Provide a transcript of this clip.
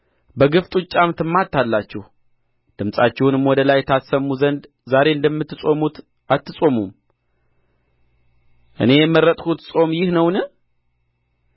በግፍ ጡጫም ትማታላችሁ ድምፃችሁንም ወደ ላይ ታሰሙ ዘንድ ዛሬ እንደምትጾሙት አትጾሙም እኔ የመረጥሁት ጾም ይህ ነውን